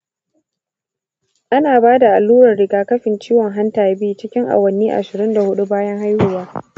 ana ba da allurar rigakafin ciwon hanta b cikin awanni ashirin da hudu bayan haihuwa.